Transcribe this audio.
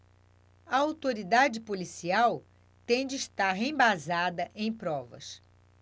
a autoridade policial tem de estar embasada em provas